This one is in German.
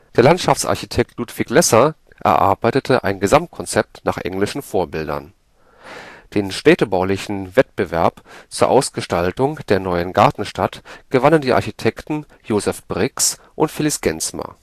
Landschaftsarchitekt Ludwig Lesser erarbeitete ein Gesamtkonzept nach englischen Vorbildern. Den städtebaulichen Wettbewerb zur Ausgestaltung der neuen Gartenstadt gewannen die Architekten Joseph Brix und Felix Genzmer